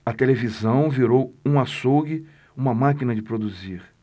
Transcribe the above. a televisão virou um açougue uma máquina de produzir